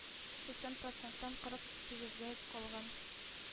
Сиксән проценттан кырык сигезгә калган.